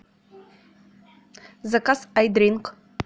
заказ айдринк